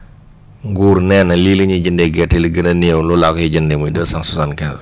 nguur nee na lii la ñuy jëndee gerte li gën a néew loolu laa koy jëndee muy deux cent soixante quinze